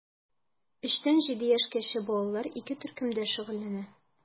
3 тән 7 яшькәчә балалар ике төркемдә шөгыльләнә.